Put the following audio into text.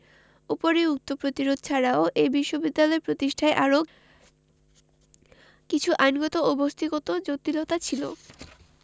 উপরিউক্ত প্রতিরোধ ছাড়াও এ বিশ্ববিদ্যালয় প্রতিষ্ঠায় আরও কিছু আইনগত ও বস্ত্তগত জটিলতা ছিল